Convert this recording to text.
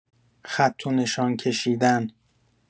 خط و نشان کشیدن